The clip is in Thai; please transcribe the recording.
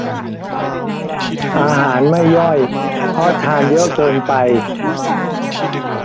อาหารไม่ย่อยเพราะทานเยอะเกินไป